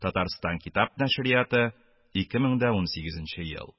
Татарстан китап нәшрияты 2018ел